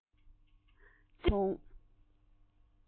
ཙི ཙི དག ཐོན བྱུང